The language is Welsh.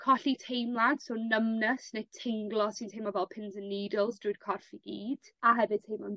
Colli teimlad so numbness ne' tinglo sy'n teimlo fel pins and needles drwy'r corff i gyd. A hefyd teimlo'n